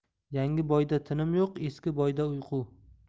yangi boyda tinim yo'q eski boyda uyqu